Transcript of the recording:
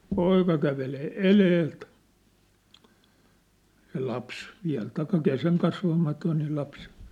poika kävelee edeltä se lapsi vielä tai keskenkasvamaton niin lapsi